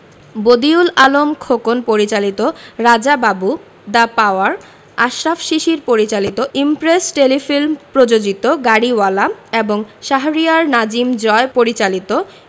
বদিউল আলম খোকন পরিচালিত Raja Babu the power Ashraf Shishir পরিচালিত Impress Telefilm প্রযোজিত গাড়িওয়ালা এবং শাহরিয়ার নাজিম জয় পরিচালিত